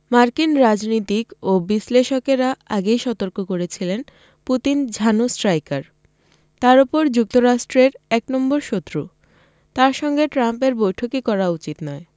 মার্কিন রাজনীতিক ও বিশ্লেষকেরা আগেই সতর্ক করেছিলেন পুতিন ঝানু স্ট্রাইকার তার ওপর যুক্তরাষ্ট্রের এক নম্বর শত্রু তাঁর সঙ্গে ট্রাম্পের বৈঠকই করা উচিত নয়